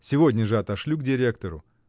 Сегодня же отошлю к директору.